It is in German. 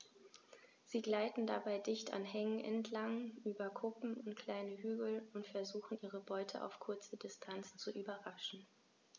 Sie gleiten dabei dicht an Hängen entlang, über Kuppen und kleine Hügel und versuchen ihre Beute auf kurze Distanz zu überraschen.